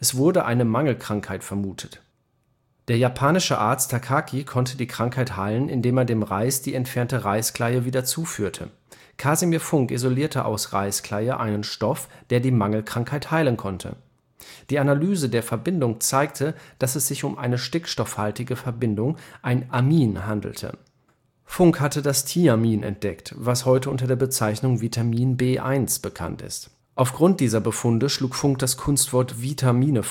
wurde eine Mangelkrankheit vermutet. Der japanische Arzt Takaki (1885) konnte die Krankheit heilen, indem er dem Reis die entfernte Reiskleie wieder zuführte. Casimir Funk isolierte aus Reiskleie einen Stoff, der die Mangelkrankheit heilen konnte. Die Analyse der Verbindung zeigte, dass es sich um eine stickstoffhaltige Verbindung, ein Amin handelte. Funk hatte das Thiamin, heute unter der Bezeichnung Vitamin B1 bekannt, entdeckt. Auf Grund dieser Befunde schlug Funk das Kunstwort Vitamine